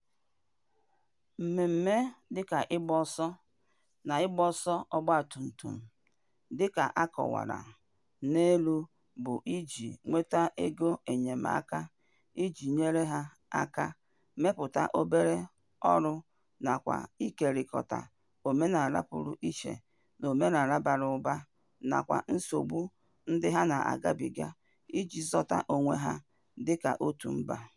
Mmemme dịka ịgbaọsọ na ịgbaọsọ ọgbatumtum dịka a kọwara n'elu bụ iji nweta ego enyemaaka iji nyere ha aka mepụta obere ọrụ nakwa ịkekọrịta omenala pụrụ iche na omenala bara ụba, nakwa nsogbu ndị ha na-agabịga iji zọta onwe ha dịka otu mba.